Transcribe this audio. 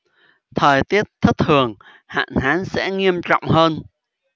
thời tiết thất thường hạn hán sẽ nghiêm trọng hơn